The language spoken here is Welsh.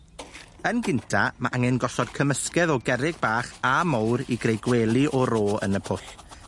Yn gynta ma' angen gosod cymysgedd o gerrig bach a mowr i greu gwely o ro yn y pwll